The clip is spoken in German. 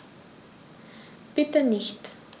Bitte nicht.